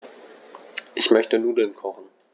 Ich möchte Nudeln kochen.